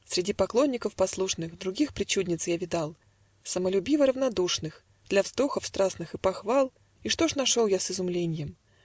Среди поклонников послушных Других причудниц я видал, Самолюбиво равнодушных Для вздохов страстных и похвал. И что ж нашел я с изумленьем?